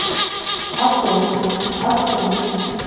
автобус автобус